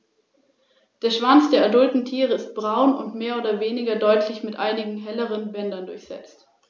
Weniger häufig ist die Jagd im freien Luftraum; die Erbeutung von ziehenden Kormoranen ist jedoch zum Beispiel schon mehrfach beobachtet worden.